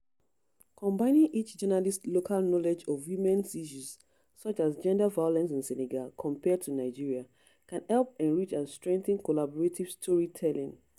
Combining each journalist's local knowledge of women's issues — such as gender violence in Senegal compared to Nigeria — can help enrich and strengthen collaborative storytelling.